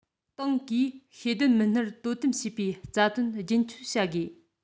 ཏང གིས ཤེས ལྡན མི སྣར དོ དམ བྱེད པའི རྩ དོན རྒྱུན འཁྱོངས བྱ དགོས